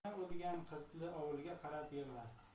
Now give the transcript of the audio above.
xotini o'lgan qizli ovulga qarab yig'lar